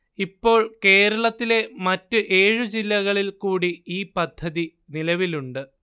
ഇപ്പോൾ കേരളത്തിലെ മറ്റ് ഏഴ് ജില്ലകളിൽ കൂടി ഈ പദ്ധതി നിലവിലുണ്ട്